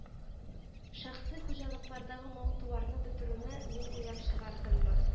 Шәхси хуҗалыклардагы мал-туарны бетерүне мин уйлап чыгардыммы